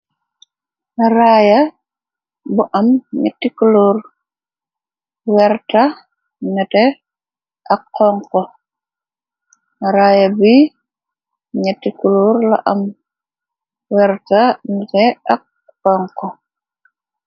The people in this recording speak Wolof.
raaya bu am nyetti kuluur werta nete ak xonxo raaya bi ñyetti kulur la am wërta nete ak ponko